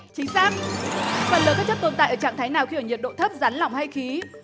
chính xác phần lớn các chất tồn tại ở trạng thái nào khi ở nhiệt độ thấp rắn lỏng hay khí